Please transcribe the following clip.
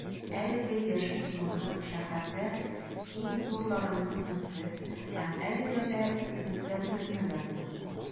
Әлеге яшел зона шәһәрдә иң зурларының берсе һәм әлегә дә төзекләндерелмәгән булып кала.